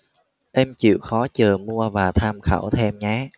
em chịu khó chờ mua và tham khảo thêm nhé